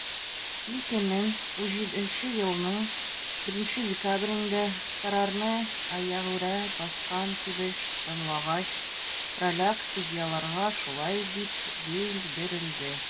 2017 елның 1 декабрендә, карарны аягүрә баскан килеш тыңлагач, праляк судьяларга шулай дип белдерде: